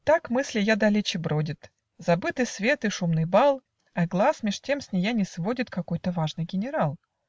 Так мысль ее далече бродит: Забыт и свет и шумный бал, А глаз меж тем с нее не сводит Какой-то важный генерал.